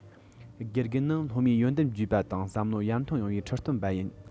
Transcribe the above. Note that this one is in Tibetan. དགེ རྒན ནི སློབ མའི ཡོན ཏན རྒྱས པ དང བསམ བློ ཡར ཐོན ཡོང བའི ཁྲིད སྟོན པ ཡིན